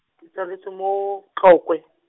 ke tsaletswe mo, Tlokwe .